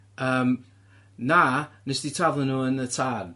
Yym na, wnes di taflu nw yn y tân.